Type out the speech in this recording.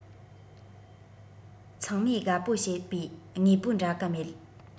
ཚང མས དགའ པོ བྱེད པའི དངོས པོ འདྲ གི མེད